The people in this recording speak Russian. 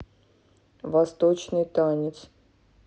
восточный танец